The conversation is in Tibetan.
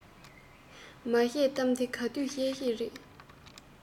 མ བཤད གཏམ དེ ག དུས བཤད བཤད རེད